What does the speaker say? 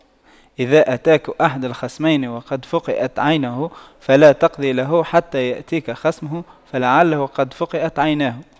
إذا أتاك أحد الخصمين وقد فُقِئَتْ عينه فلا تقض له حتى يأتيك خصمه فلعله قد فُقِئَتْ عيناه